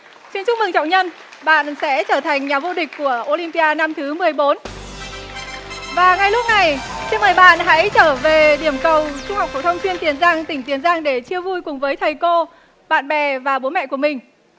xin chúc mừng trọng nhân bạn sẽ trở thành nhà vô địch của ô lim pi a năm thứ mười bốn và ngay lúc này xin mời bạn hãy trở về điểm cầu trung học phổ thông chuyên tiền giang tỉnh tiền giang để chia vui cùng với thầy cô bạn bè và bố mẹ của mình